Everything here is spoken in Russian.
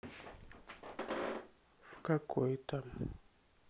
в какой то